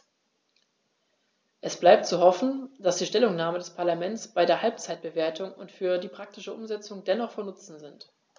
Es bleibt zu hoffen, dass die Stellungnahmen des Parlaments bei der Halbzeitbewertung und für die praktische Umsetzung dennoch von Nutzen sind.